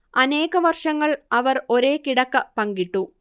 അനേക വർഷങ്ങൾ അവർ ഒരേ കിടക്ക പങ്കിട്ടു